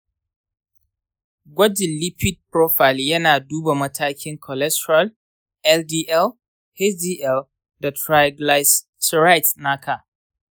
gwajin lipid profile yana duba matakan cholesterol, ldl, hdl, da triglycerides naka.